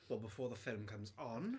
What, before the film comes on?